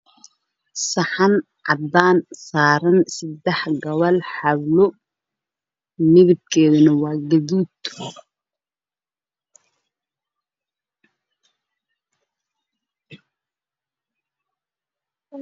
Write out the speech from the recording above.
Meeshaan waxaa ka muuqdo saxan yar oo caddaan ah waxaa ku jiro halwood loo jarjaray saddex xabbo oo isla eg midabkeedu waa gaduud